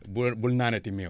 bul bul naanati meew